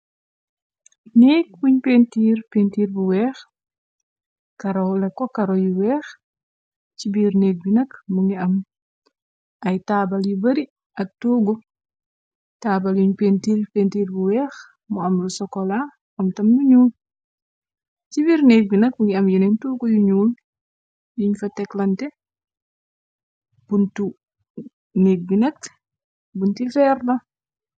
Nekk buñ pentiir pentir bu weex karaw le ko kara yu weex ci biir nekk bi nakk mu ngi am ay taabal yi bari ak tuugu taabal yuñ pentiir pentiir bu weex mu am lu sokola am tam luñuul ci biir nek bi nag bu ngi am yeneen tuugu yuñuul yuñ fa teklante k bunti feerla.